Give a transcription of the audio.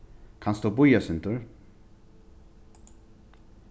kanst tú bíða eitt sindur